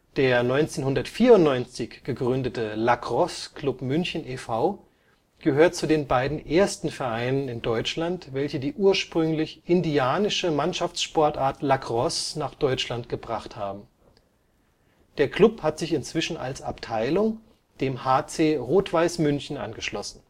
Der 1994 gegründete Lacrosse Club München e. V. gehört zu den beiden ersten Vereinen in Deutschland, welche die ursprünglich indianische Mannschaftssportart Lacrosse nach Deutschland gebracht haben. Der Club hat sich inzwischen als Abteilung dem HC Rot-Weiß München angeschlossen